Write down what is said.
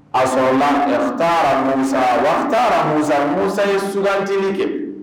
Ason taarasa wa taara musa musa ye stinin kɛ